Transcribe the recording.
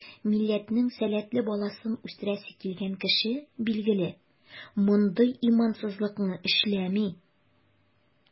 Милләтнең сәләтле баласын үстерәсе килгән кеше, билгеле, мондый имансызлыкны эшләми.